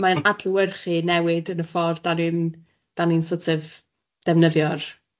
...mae e'n adlewyrchu newid yn y ffordd dan ni'n, dan ni'n sort of, defnyddio'r tirwedd... Ie.